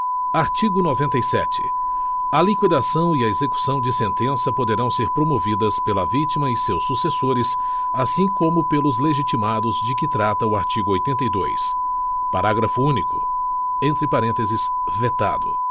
artigo noventa e sete a liquidação e a execução de sentença poderão ser promovidas pela vítima e seus sucessores assim como pelos legitimados de que trata o artigo oitenta e dois parágrafo único entre parênteses vetado